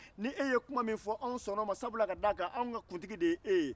ni e ye kuma min fɔ an sɔnna o ma sabula ka d'a kan an ka kuntigi de ye e ye